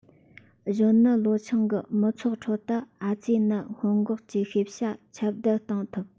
གཞོན ནུ ལོ ཆུང གི མི ཚོགས ཁྲོད དུ ཨེ ཙི ནད སྔོན འགོག གི ཤེས བྱ ཁྱབ གདལ གཏོང ཐུབ